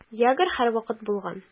Ягр һәрвакыт булган.